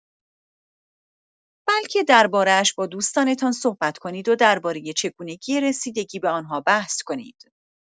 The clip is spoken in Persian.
بلکه درباره‌اش با دوستانتان صحبت کنید و درباره چگونگی رسیدگی به آن بحث کنید.